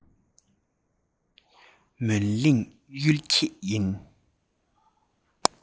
མོན གླིང གཡུལ འགྱེད ཡིན